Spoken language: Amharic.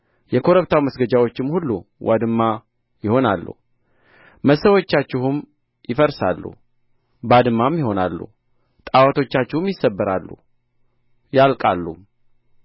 የኮረብታው መስገጃዎችም ሁሉ ውድማ ይሆናሉ መሠዊያዎቻችሁም ይፈርሳሉ ባድማም ይሆናሉ ጣዖቶቻችሁም ይሰበራሉ ያልቃሉም